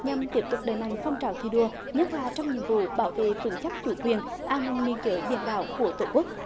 nhằm tiếp tục đẩy mạnh phong trào thi đua nhất là trong nhiệm vụ bảo vệ vững chắc chủ quyền an ninh biên giới biển đảo của tổ quốc